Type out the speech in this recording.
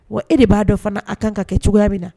Wa e de b'a dɔn fana a kan ka kɛ cogoya min na